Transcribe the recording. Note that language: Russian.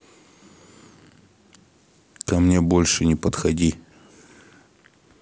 ко мне больше не подходи